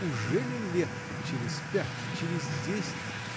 — Ужели лет через пять, через десять.